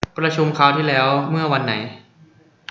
ประชุมคราวที่แล้วเมื่อวันไหน